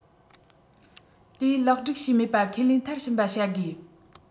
དེ ལེགས སྒྲིག བྱས མེད པ ཁས ལེན མཐར ཕྱིན པར བྱ དགོས